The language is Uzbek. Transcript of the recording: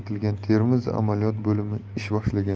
etilgan termiz amaliyot bo'limi ish boshlagan